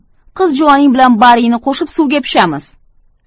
qiz juvoning bilan baringni qo'shib suvga pishamiz